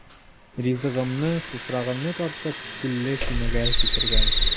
Ризыгыммы, туфрагыммы тартып, Күлле Кимегә китергән.